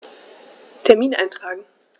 Termin eintragen